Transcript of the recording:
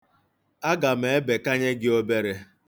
Aga m ebekanye gị obere.